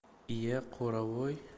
iya qoravoy